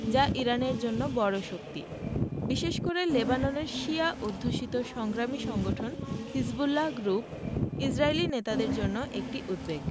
যা ইরানের জন্য বড় শক্তি বিশেষ করে লেবাননের শিয়া অধ্যুষিত সংগ্রামী সংগঠন হিজবুল্লাহ গ্রুপ ইসরায়েলি নেতাদের জন্য একটি উদ্বেগ